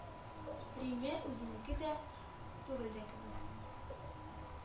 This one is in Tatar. Риме үзенеке дә, түгел дә кебек.